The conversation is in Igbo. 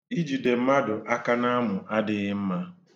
Ijide mmadụ aka n'amụ adịghị mma.